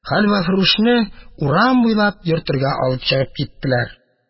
Хәлвәфрүшне урам буйлап йөртергә алып чыгып киттеләр.